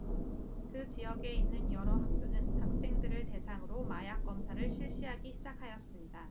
그 지역에 있는 여러 학교는 학생들을 대상으로 마약 검사를 실시하기 시작하였습니다